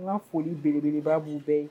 An ka foli belebelebba b'u bɛɛ ye